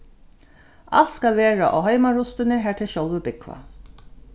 alt skal verða á heimrustini har tey sjálvi búgva